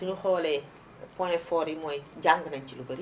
suñu xoolee point fort bi mooy jàng nañu ci lu bari